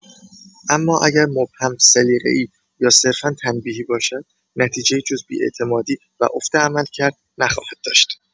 اما اگر مبهم، سلیقه‌ای یا صرفا تنبیهی باشد، نتیجه‌ای جز بی‌اعتمادی و افت عملکرد نخواهد داشت.